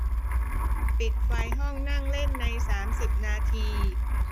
ปิดไฟห้องนั่งเล่นในสามสิบนาที